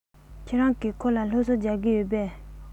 ཁྱེད རང གིས ཁོ ལ སློབ གསོ རྒྱག གི ཡོད པས